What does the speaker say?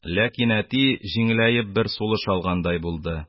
Ләкин әти җиңеләеп, бер сулыш алгандай булды.